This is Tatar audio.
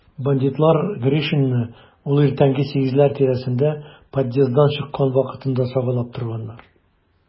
Бандитлар Гришинны ул иртәнге сигезләр тирәсендә подъезддан чыккан вакытында сагалап торганнар.